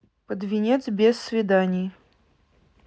под венец без свиданий